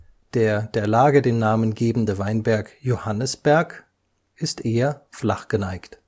Der der Lage den Namen gebende Weinberg Johannisberg ist eher flachgeneigt